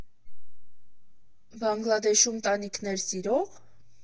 Բանգլադեշում տանիքներ սիրո՞ղ։